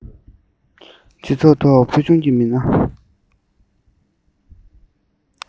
སྤྱི ཚོགས ཐོག ཕུལ བྱུང གི མི སྣ